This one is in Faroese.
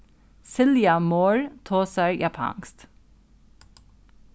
silja mohr tosar japanskt